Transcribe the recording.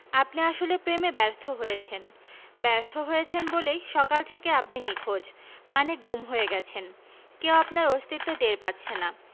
আপনি আসলে প্রেমে ব্যর্থ হয়েছেন ব্যর্থ হয়েছেন বলেই সকাল থেকে আপনি নিখোঁজ মানে গুম হয়ে গেছেন কেউ আপনার অস্তিত্ব টের পাচ্ছে না